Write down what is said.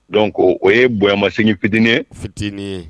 Donc o ye bonyamasegin fitinin ye fitinin ye